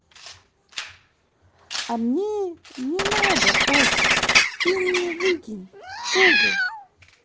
а мне не надо осип ты меня выкинь в google